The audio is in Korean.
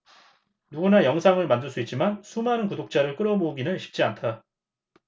누구나 영상을 만들 수 있지만 수많은 구독자를 끌어 모으기는 쉽지 않다